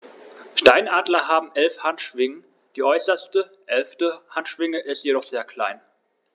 Steinadler haben 11 Handschwingen, die äußerste (11.) Handschwinge ist jedoch sehr klein.